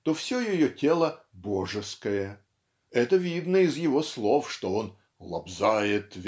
то все ее тело -- "божеское" это видно из его слов что он "лобзает